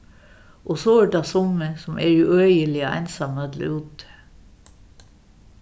og so eru tað summi sum eru øgiliga einsamøll úti